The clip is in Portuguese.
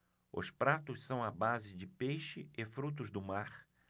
os pratos são à base de peixe e frutos do mar